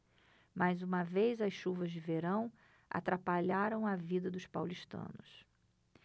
mais uma vez as chuvas de verão atrapalharam a vida dos paulistanos